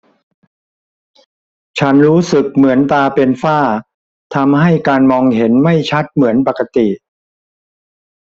ฉันรู้สึกเหมือนตาเป็นฝ้าทำให้การมองเห็นไม่ชัดเหมือนปกติ